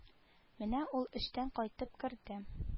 Менә ул эштән кайтып керде